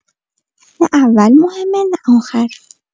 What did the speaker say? نه اول مهمه، نه آخر.